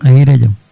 a hiire jaam